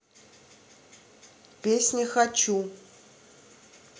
песня хочу